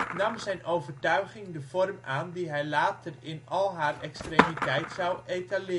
nam zijn overtuiging de vorm aan die hij later in al haar extremiteit zou etaleren. In